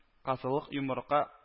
Казылык, йомырка